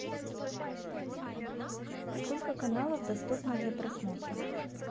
сколько каналов доступно для просмотра